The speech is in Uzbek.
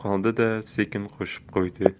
qoldi da sekin qo'shib qo'ydi